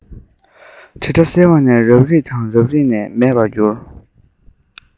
དྲིལ སྒྲ གསལ བ ནས རབ རིབ དང རབ རིབ ནས མེད པར གྱུར